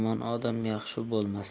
yomon odam yaxshi bo'lmas